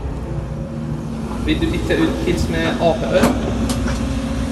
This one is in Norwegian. - Vil du bytte ut pils med Ap-øl?